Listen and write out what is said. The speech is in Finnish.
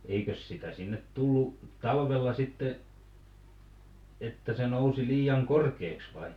eikös sitä sinne tullut talvella sitten että se nousi liian korkeaksi vai